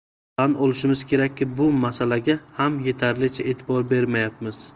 tan olishimiz kerak biz bu masalaga ham yetarlicha e'tibor bermayapmiz